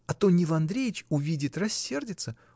А то Нил Андреич увидит — рассердится.